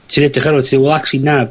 ...ti'n edrych arno fo ti wel actually na